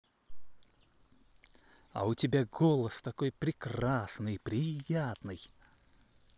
а у тебя голос такой прекрасный приятный